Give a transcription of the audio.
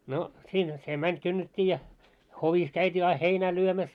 no siinähän se meni kynnettiin ja hovissa käytiin aina heinää lyömässä